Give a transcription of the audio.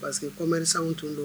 Parce que komɛrisaw tun don